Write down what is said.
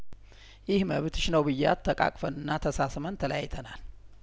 ይህ መብትሽ ነው ብያት ተቃቅፈንና ተሳስመን ተለያይተናል